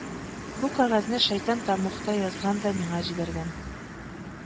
Бу кәгазьне шайтан тәмугта язган да миңа җибәргән